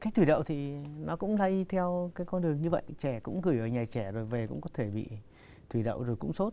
thế thủy đậu thì nó cũng lây theo các con đường như vậy trẻ cũng gửi ở nhà trẻ rồi về cũng có thể bị thủy đậu rồi cũng sốt